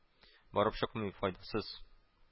Барып чыкмый, файдасыз